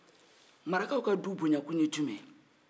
marakaw ka du boyan kun ye jumɛn ye